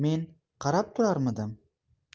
men qarab turarmidim